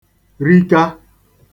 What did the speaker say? rika